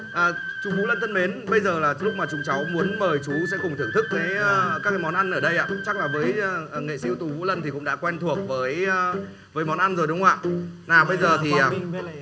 à chú vũ lân thân mến bây giờ là lúc mà chúng cháu muốn mời chú sẽ cùng thưởng thức cái á các món ăn ở đây ạ chắc là với ạ ở nghệ sĩ ưu tú lần thì cũng đã quen thuộc với á với món ăn rồi đúng không ạ nào bây giờ thì à